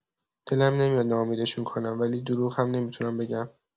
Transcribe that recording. دلم نمیاد ناامیدشون کنم، ولی دروغ هم نمی‌تونم بگم.